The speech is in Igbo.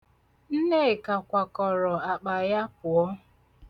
Nneka kwakọrọ akpa ya pụọ.